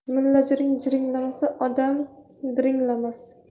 mullajiring jiringlamasa odam dirrnglamas